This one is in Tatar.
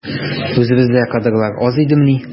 Үзебездә кадрлар аз идемени?